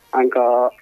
An